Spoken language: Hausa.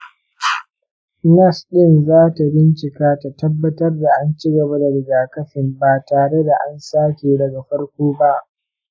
nas ɗin zata bincika ta tabbatar da an cigaba da rigakafin ba tare da an sake daga farko ba.